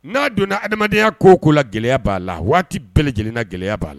N'a donna adamadenyaya ko k' la gɛlɛya b'a la waati bɛɛ lajɛlenna gɛlɛya'a la